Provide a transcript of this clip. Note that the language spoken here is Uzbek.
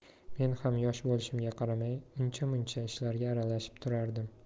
men ham yosh bo'lishimga qaramay uncha muncha ishlarga aralashib turardim